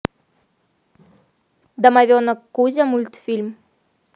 домовенок кузя мультфильм